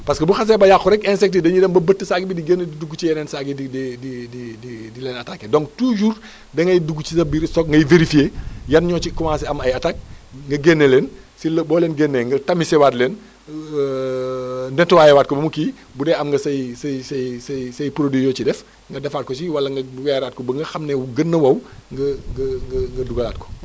parce que bu xasee ba yàqu rek insectes yi dañuy dem bëtt saak bi di génne di dugg ci yeneen saak yi di di di di di di leen attaqué donc toujours da ngay dugg ci sa biir stock ngay vérifié yan ñoo ci commencé am ay attaques nga génne leen s' il le boo leen génnee nga tamisser waat leen nettoyé waat ko ba mu kii bu dee am nga say say say say say produit yoo ciy def nga defaat ko ci wala nga weeraat ko ba nga xam ne gën na wow nga nga nga nga dugalaat ko